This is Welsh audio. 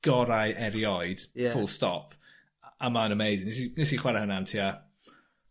gorau erioed... Ie. ...full stop a a ma'n amazing ns i nes i chware hwnna am tua